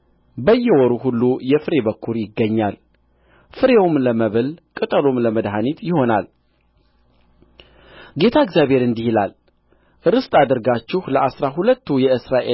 በየወሩ ሁሉ የፍሬ በኵር ያገኛል ፍሬውም ለመብል ቅጠሉም ለመድኃኒት ይሆናል ጌታ እግዚአብሔር እንዲህ ይላል ርስት አድርጋችሁ ለአሥራ ሁለቱ የእስራኤል